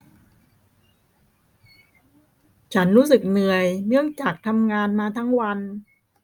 ฉันรู้สึกเหนื่อยเนื่องจากทำงานมาทั้งวัน